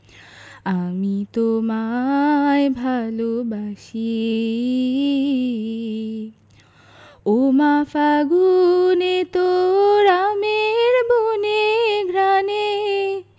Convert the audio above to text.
আমি তোমায় ভালোবাসি ওমা ফাগুনে তোর আমের বনে ঘ্রাণে